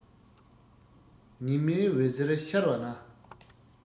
ཉི མའི འོད ཟེར ཤར བ ན